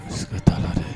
Siga t'a la dɛ